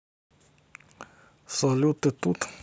салют ты тут